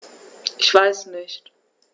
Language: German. Ich weiß nicht.